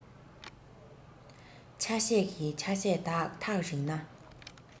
ཆ ཤས ཀྱི ཆ ཤས དག ཐག རིང ན